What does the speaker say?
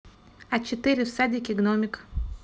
а четыре в садике гномик